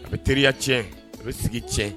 A bɛ teriya tiɲɛ a bɛ sigi tiɲɛ